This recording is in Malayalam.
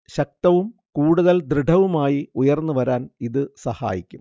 ശക്തവും കൂടുതൽ ദൃഡവുമായി ഉയർന്നു വരാൻ ഇത് സഹായിക്കും